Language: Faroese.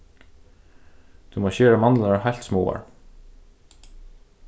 tú mást skera mandlurnar heilt smáar